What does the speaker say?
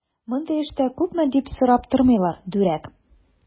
Мондый эштә күпме дип сорап тормыйлар, дүрәк!